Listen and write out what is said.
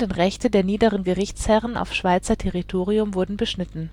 Rechte der niederen Gerichtsherren auf Schweizer Territorium wurden beschnitten;